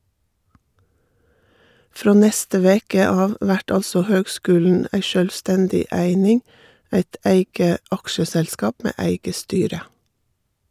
Frå neste veke av vert altså høgskulen ei sjølvstendig eining, eit eige aksjeselskap med eige styre.